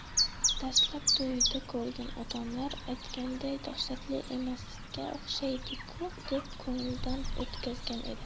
dastlab to'yida ko'rgan odamlar aytganday dahshatli emasga o'xshaydi ku deb ko'nglidan o'tkazgan edi